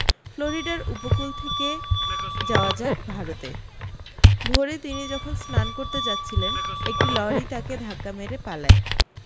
ফ্লোরিডার উপকূল থেকে যাওয়া যাক ভারতে ভোরে তিনি যখন স্নান করতে যাচ্ছিলেন একটি লরি তাঁকে ধাক্কা মেরে পালায়